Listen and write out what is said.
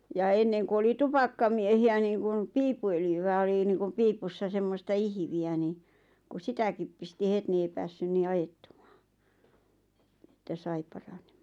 ja ennen kun oli tupakkamiehiä niin kuin piippuöljyä oli niin kuin piipussa semmoista ihviä niin kun sitäkin pisti heti niin ei päässyt niin ajettumaan että sai paranemaan